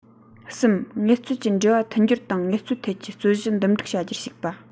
གསུམ ངལ རྩོལ གྱི འབྲེལ བ མཐུན སྦྱོར དང ངལ རྩོལ ཐད ཀྱི རྩོད གཞི འདུམ སྒྲིག བྱ རྒྱུར ཞུགས པ